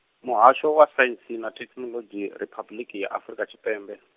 Muhasho wa Saentsi na Thekhinolodzhi, Riphabuḽiki ya Afurika Tshipembe Riphabuḽiki ya Afurika Tshipembe.